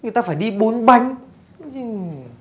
người ta phải đi bốn bánh chứ